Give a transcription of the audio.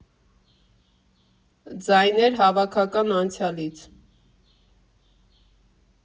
Ձայներ հավաքական անցյալից։